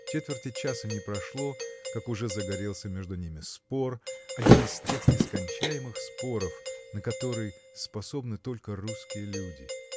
Четверти часа не прошло, как уже загорелся между ними спор, один из тех нескончаемых споров, на который способны только русские люди.